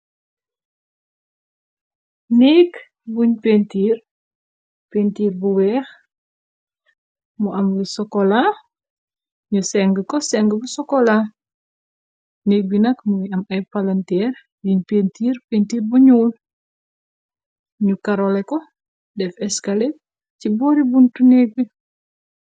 Nékk buñ pentiir pentiir bu weex mu am li sokolaa nu seng ko seng bu sokola nekk bi nak muy am ay palanteer yuñ pentiir pentiir bu nyuul nu karole ko def eskale ci boori buntu neek bi.